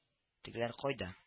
Тегеләр кайда